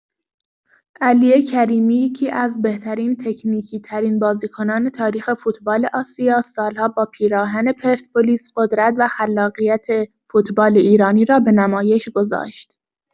علی کریمی، یکی‌از بهترین تکنیکی‌ترین بازیکنان تاریخ فوتبال آسیا، سال‌ها با پیراهن پرسپولیس قدرت و خلاقیت فوتبال ایرانی را به نمایش گذاشت.